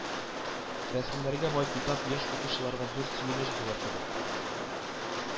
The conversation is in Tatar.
Рәсемнәргә бай китап яшь укучыларга зур сөенеч булыр кебек